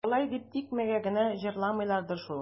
Алай дип тикмәгә генә җырламыйлардыр шул.